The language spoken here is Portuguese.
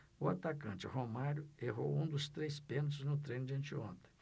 o atacante romário errou um dos três pênaltis no treino de anteontem